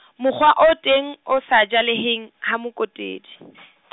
mokgwa o teng, o sa jaleheng, ha Mokotedi .